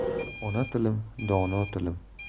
ona tilim dono tilim